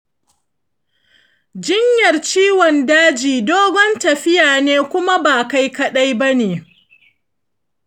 jinyar ciwon daji dogon tafiya ne kuma ba kai kadai bane.